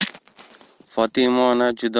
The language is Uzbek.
fotima ona juda